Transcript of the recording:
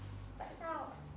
tại sao ạ